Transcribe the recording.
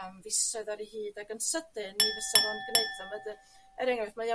am fisoedd ar 'u hyd ag yn sydyn mi fysa fo'n gneud petha . Er enghraiff mae o